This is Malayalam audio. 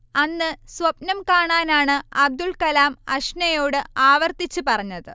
അന്ന് സ്വപ്നം കാണാനാണ് അബ്ദുൾക്കലാം അഷ്നയോട് ആവർത്തിച്ച് പറഞ്ഞത്